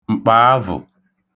m̀kpàavụ̀